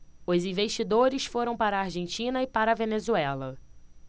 os investidores foram para a argentina e para a venezuela